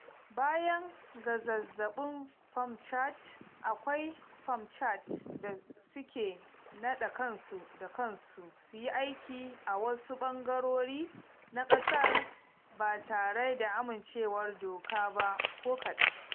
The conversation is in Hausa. Baya ga zaɓaɓɓun Panchayat, akwai Panchayats da suke naɗa kansu da kansu su yi aiki a wasu ɓangarori na ƙasar ba tare da amincewar doka ba ko kaɗan.